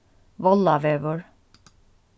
vollavegur